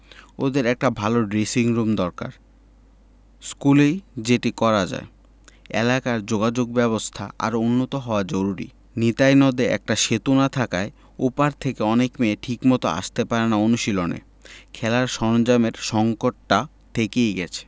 ওদের একটা ভালো ড্রেসিংরুম দরকার স্কুলেই যেটি করা যায় এলাকার যোগাযোগব্যবস্থা আরও উন্নত হওয়া জরুরি নিতাই নদে একটা সেতু না থাকায় ও পার থেকে অনেক মেয়ে ঠিকমতো আসতে পারে না অনুশীলনে খেলার সরঞ্জামের সংকটটা থেকেই গেছে